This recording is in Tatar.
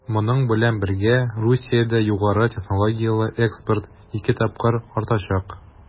Моның белән бергә Русиядә югары технологияле экспорт 2 тапкырга артачак.